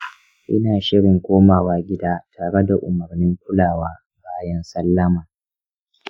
ina shirin komawa gida tare da umarnin kulawa bayan sallama.